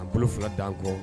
A bolo fila dan an kɔ